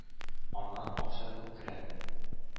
Аннан акча күп керә.